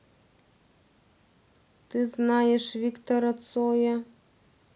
ты знаешь виктора цоя